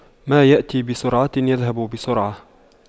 ما يأتي بسرعة يذهب بسرعة